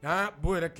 Yan bo yɛrɛ